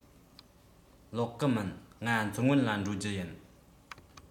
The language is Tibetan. ལོག གི མིན ང མཚོ སྔོན ལ འགྲོ རྒྱུ ཡིན